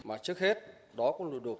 mà trước hết đó cũng lật đổ